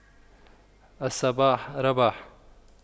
الصباح رباح